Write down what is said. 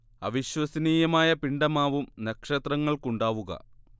അവിശ്വസനീയമായ പിണ്ഡമാവും നക്ഷത്രങ്ങൾക്കുണ്ടാവുക